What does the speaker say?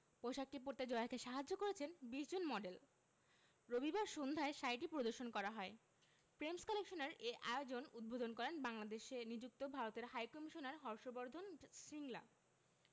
পোশাকটি পরতে জয়াকে সাহায্য করেছেন ২০ জন মডেল রবিবার সন্ধ্যায় শাড়িটি প্রদর্শন করা হয় প্রেমস কালেকশনের এ আয়োজন উদ্বোধন করেন বাংলাদেশে নিযুক্ত ভারতের হাইকমিশনার হর্ষ বর্ধন শ্রিংলা